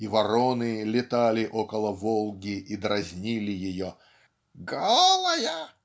и вороны летали около Волги и дразнили ее "Голая!